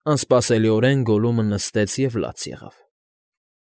Անսպասելիորեն Գոլլումը նստեց և լաց եղավ։